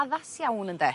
Addas iawn ynde?